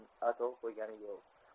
atov qo'ygani yo'q